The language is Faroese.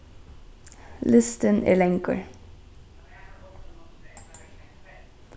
listin er langur